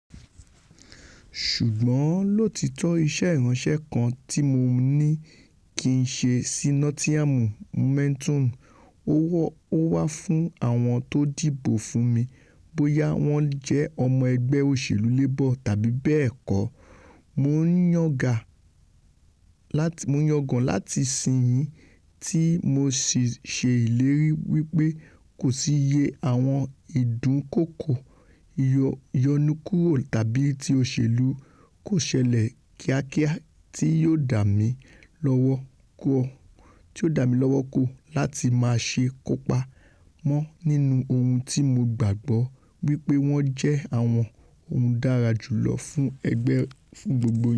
Ṣùgbọn lóòtítọ iṣẹ ìránṣẹ́ kan tí Mo ní kìí ṣe sí Nothingham Momentum, o wá fún àwọn to dìbò fún mí, bóyá wọ́n jẹ́ ọmọ ẹgbẹ́ òṣèlú Labour tàbí bẹ́ẹ̀kọ́: Mo ń yangàn láti sìn yín tí Mo sì ṣe ìlérì wí pé kòsí iye àwọn ìdúnkookò ìyọnikúrò tàbi ti òṣèlú kòṣẹlẹ̀-kíákíá tí yóò dámi lọ́wọ́ kọ́ láti máṣe kópa mọ́ nínú ohun tí Mo gbàgbó wí pé wọ́n jẹ́ àwọn ohun dára jùlọ fún gbogbo yín.